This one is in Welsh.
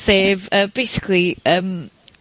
Sef y basically, yym,